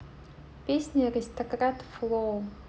песня аристократ флоу